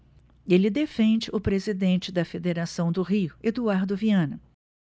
ele defende o presidente da federação do rio eduardo viana